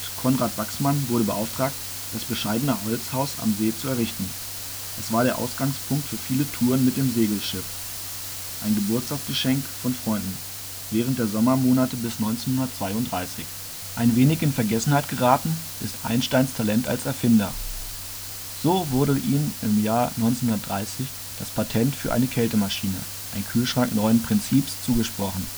Konrad Wachsmann wurde beauftragt, das bescheidene Holzhaus am See zu errichten. Es war der Ausgangspunkt für viele Touren mit dem Segelschiff (ein Geburtstagsgeschenk von Freunden) während der Sommermonate bis 1932. Ein wenig in Vergessenheit geraten ist Einsteins Talent als Erfinder. So wurde ihm im Jahr 1930 das Patent für eine Kältemaschine, ein Kühlschrank neuen Prinzips, zugesprochen